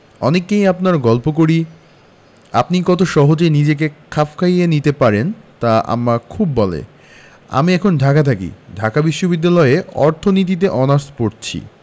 অনেককেই আপনার গল্প করি আপনি কত সহজে নিজেকে খাপ খাইয়ে নিতে পারেন তা আম্মা খুব বলে আমি এখন ঢাকা থাকি ঢাকা বিশ্ববিদ্যালয়ে অর্থনীতিতে অনার্স পরছি